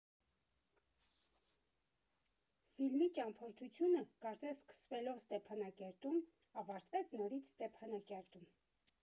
Ֆիլմի ճամփորդությունը, կարծես սկսվելով Ստեփանակերտում, ավարտվեց նորից Ստեփանակերտում։